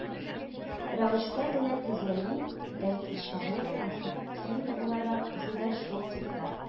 Рәвештә генә төземи, бәлки, шагыйрь һәм хәким буларак, үзе дә шул типта